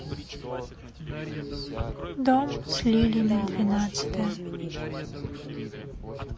дом с лилиями двенадцатая